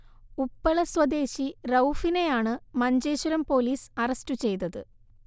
ഉപ്പള സ്വദേശി റഊഫിനെയാണ് Manjeshwaram police arrest ചെയ്തത്